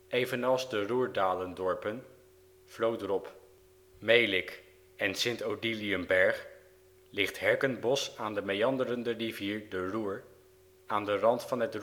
Evenals de Roerdalen-dorpen Vlodrop, Melick en Sint Odiliënberg ligt Herkenbosch aan de meanderende rivier de Roer, aan de rand van het Roerdal